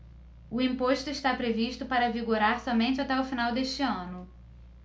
o imposto está previsto para vigorar somente até o final deste ano